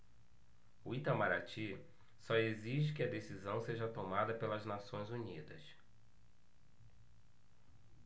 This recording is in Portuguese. o itamaraty só exige que a decisão seja tomada pelas nações unidas